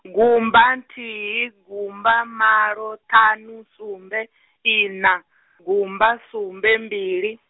gumba nthihi gumba malo ṱhanu sumbe, ina, gumba sumbe mbili.